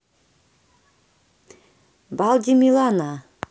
балди милана